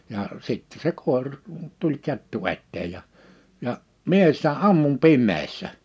ja sitten se - tuli kettu eteen ja ja minä sitä ammuin pimeässä